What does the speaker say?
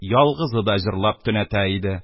, ялгызы да, җырлап, төнәтә иде.